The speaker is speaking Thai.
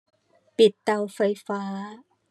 ปิดเตาไฟฟ้า